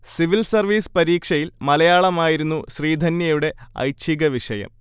civil service പരീക്ഷയിൽ മലയാളമായിരുന്നു ശ്രീധന്യയുടെ ഐച്ഛീകവിഷയം